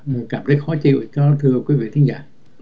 cảm thấy khó chịu thưa quý vị thính giả